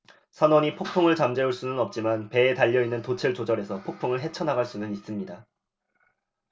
선원이 폭풍을 잠재울 수는 없지만 배에 달려 있는 돛을 조절해서 폭풍을 헤쳐 나갈 수는 있습니다